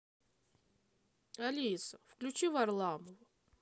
алиса включи варламова